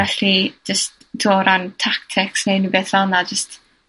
Felly, jyst o ran tactics neu unryw beth fel 'na jyst